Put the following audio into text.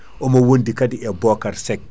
omo wondi kaadi e Bocar Seck